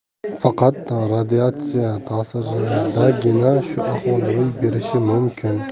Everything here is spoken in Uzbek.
faqat radiatsiya tasiridangina shu ahvol ro'y berishi mumkin